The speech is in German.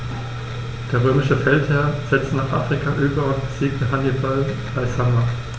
Der römische Feldherr setzte nach Afrika über und besiegte Hannibal bei Zama.